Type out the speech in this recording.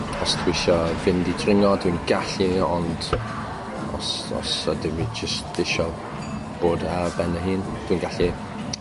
os dwi isio fynd i dringo dwi'n gallu ond os os ydw i jyst isio bod ar ben fy hun dwi'n gallu